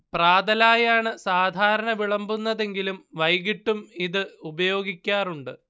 പ്രാതലായാണ് സാധാരണ വിളമ്പുന്നതെങ്കിലും വൈകീട്ടും ഇത് ഉപയോഗിക്കാറുണ്ട്